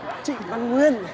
trịnh văn nguyên